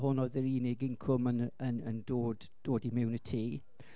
Hwn oedd yr unig incwm yn yn yn dod dod i mewn i'r tŷ.